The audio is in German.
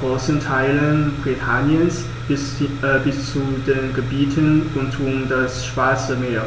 großen Teilen Britanniens bis zu den Gebieten rund um das Schwarze Meer.